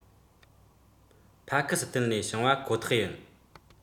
ཕ ཁི སི ཐན ལས བྱུང བ ཁོ ཐག ཡིན